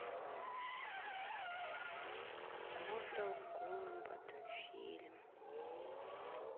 мортал комбат фильм